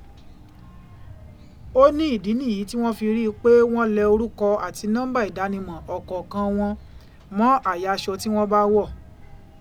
Ó ní ìdí nìyí tí wọ́n fi ríi pé wọ́n lẹ orúkọ àti nọ́ḿbà ìdánimọ̀ ọ̀kọ̀ọ̀kan wọn mọ́ àyà aṣọ tí wọ́n bá wọ̀.